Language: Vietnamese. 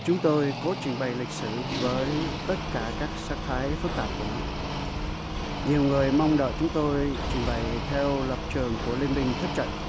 chúng tôi có trình bày lịch sử với tất cả các sắc thái phức tạp của nó nhiều người mong đợi chúng tôi trình bày theo lập trường của liên minh thất trận